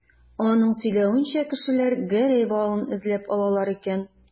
Аның сөйләвенчә, кешеләр Гәрәй балын эзләп алалар икән.